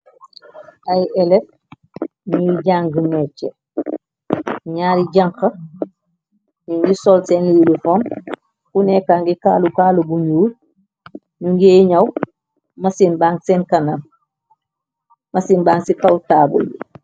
Ay elef ñuy jànge mecce, ñaari janx nyi ngi sol seen elifom ku nekangi kaalu, kaala gu ñuul, nyi nge ñaw, masin baang sen kanam, masin baang si kaw taabul bi.